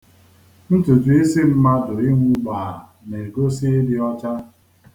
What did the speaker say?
Ntutuisi mmadụ inwu gbaa na-egosi ịdị ọcha.